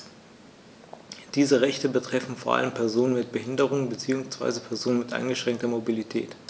Diese Rechte betreffen vor allem Personen mit Behinderung beziehungsweise Personen mit eingeschränkter Mobilität.